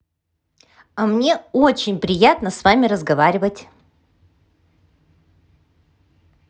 а мне очень приятно с вами разговаривать